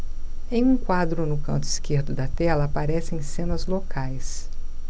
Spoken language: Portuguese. em um quadro no canto esquerdo da tela aparecem cenas locais